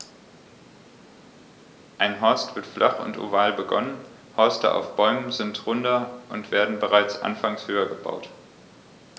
Ein Horst wird flach und oval begonnen, Horste auf Bäumen sind runder und werden bereits anfangs höher gebaut.